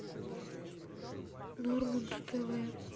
нормунд тв